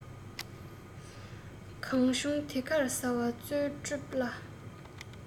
གང བྱུང དེ གར ཟ བས རྩོལ སྒྲུབ སླ